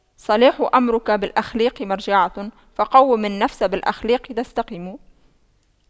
صلاح أمرك بالأخلاق مرجعه فَقَوِّم النفس بالأخلاق تستقم